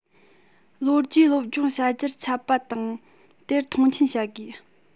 ལོ རྒྱུས སློབ སྦྱོང བྱ རྒྱུར ཁྱབ པ དང དེར མཐོང ཆེན བྱ དགོས